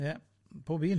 Ie, pob un.